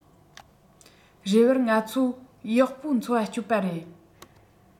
རེ བར ང ཚོ ཡག པོ འཚོ བ སྤྱོད པ རེད